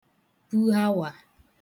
buhawa